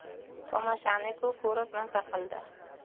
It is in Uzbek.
tomoshani ku ko'rib maza qildi